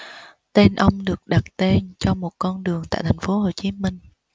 tên ông được đặt tên cho một con đường tại thành phố hồ chí minh